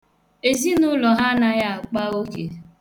Ezinụụlọ ha anaghị akpa oke.